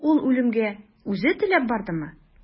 Ул үлемгә үзе теләп бардымы?